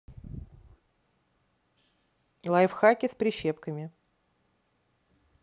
лайфхаки с прищепками